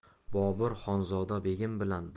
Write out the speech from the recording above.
bobur xonzoda begim bilan